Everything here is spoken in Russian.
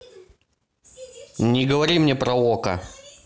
не говори мне про okko